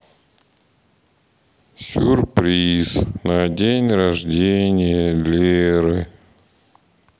сюрприз на день рождения леры